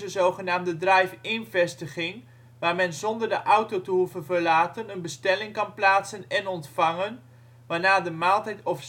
zogenaamde drive-in vestiging waar men zonder de auto te hoeven verlaten een bestelling kan plaatsen en ontvangen waarna de maaltijd/snack